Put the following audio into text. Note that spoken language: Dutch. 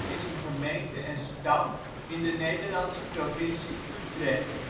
is een gemeente en stad in de Nederlandse provincie Utrecht